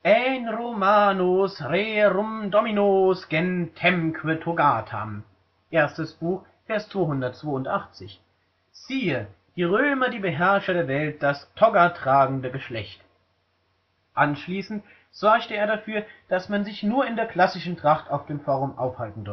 en Romanos, rerum dominos gentemque togatam! (I 282) („ Siehe! Die Römer, die Beherrscher der Welt, das togatragende Geschlecht. “) Anschließend sorgte er dafür, dass man sich nur in der klassischen Tracht auf dem Forum aufhalten